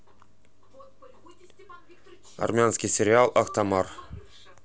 армянский сериал ахтамар